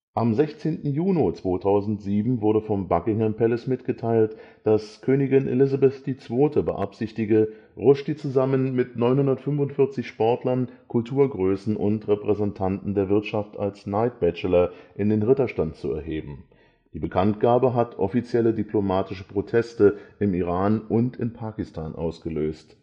Am 16. Juni 2007 wurde vom Buckingham Palace mitgeteilt, dass Königin Elisabeth II. beabsichtige, Rushdie zusammen mit 945 Sportlern, Kulturgrößen und Repräsentanten der Wirtschaft als Knight Bachelor in den Ritterstand zu erheben. Die Bekanntgabe hat offizielle diplomatische Proteste im Iran und in Pakistan ausgelöst